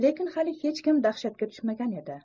lekin hali hech kim dahshatga tushmagan edi